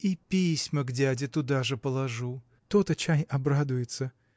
И письма к дяде туда же положу: то-то, чай, обрадуется!